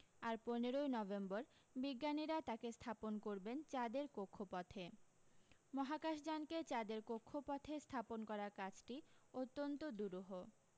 আর পনেরই নভেম্বর বিজ্ঞানীরা তাকে স্থাপন করবেন চাঁদের কক্ষপথে মহাকাশযানকে চাঁদের কক্ষপথে স্থাপন করার কাজটি অত্যন্ত দূরহ